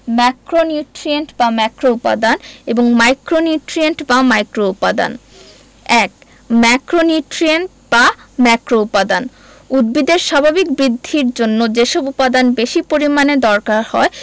macronutrient বা ম্যাক্রোউপাদান এবং মাইক্রোনিউট্রিয়েন্ট বা মাইক্রোউপাদান ১ ম্যাক্রোনিউট্রিয়েন্ট বা ম্যাক্রোউপাদান উদ্ভিদের স্বাভাবিক বৃদ্ধির জন্য যেসব উপাদান বেশি পরিমাণে দরকার হয়